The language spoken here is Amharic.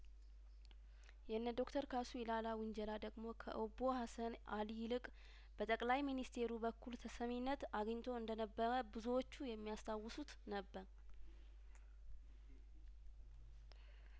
የእነ ዶክተር ካሱ ኢላላ ውንጀላ ደግሞ ከኦቦ ሀሰን አሊ ይልቅ በጠቅለይ ሚንስቴሩ በኩል ተሰሚነት አግኝቶ እንደነበረ ብዙዎቹ የሚያስታውሱት ነበር